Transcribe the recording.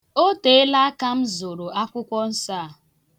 O teela aka m zụrụ akwụkwọ nsọ a.